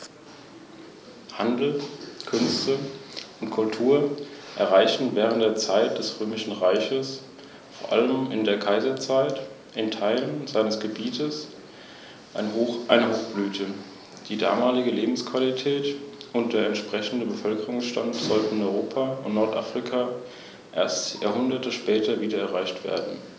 Stacheligel können sich im Bedrohungsfall zu einer Kugel zusammenrollen.